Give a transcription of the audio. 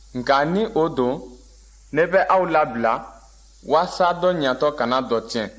nka ni o don ne bɛ aw labila walasa dɔ ɲatɔ kana dɔ tiɲɛ